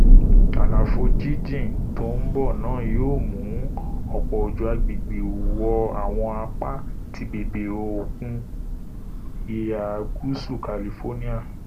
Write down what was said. Àlàfo jínjìn tó ń bọ̀ náà yóò mú ọ̀pọ̀ òjò agbègbè wọ àwọn apá ti bèbè okùn ìhà Gúúsù California.